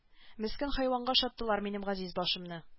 Мескен хайванга охшаттылар минем газиз башымны